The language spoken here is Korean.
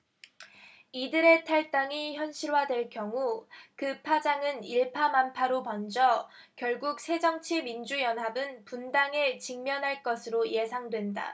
이들의 탈당이 현실화 될 경우 그 파장은 일파만파로 번져 결국 새정치민주연합은 분당에 직면할 것으로 예상된다